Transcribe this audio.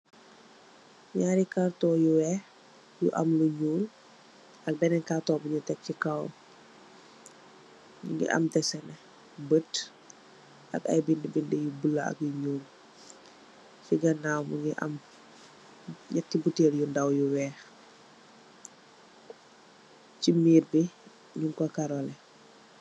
Ñaari kartoñg yu weex, yu am lu ñuul ak benen kartoñg bu ñu tek si kowam, mu ngi am deseñg bët, ak ay bindë bindë yu ñuul ak yu bulo. Si ganaaw mu ngi am lu ñaati butel yu ndaw yu weex. Ci miir bi, ñung ko Karole.